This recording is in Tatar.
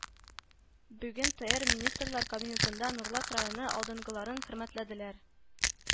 Бүген ТээР Министлар Кабинетында Нурлат районы алдынгыларын хөрмәтләделәр